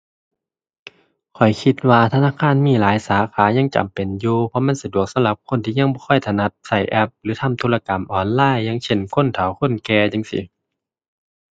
ข้อยคิดว่าธนาคารมีหลายสาขายังจำเป็นอยู่ เพราะว่ามันสะดวกสำหรับคนที่ยังบ่ค่อยถนัดใช้แอปหรือทำธุรกรรมออนไลน์ อย่างเช่น คนเฒ่า คนแก่ จั่งซี้